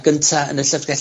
...gynta yn y Llyfrgell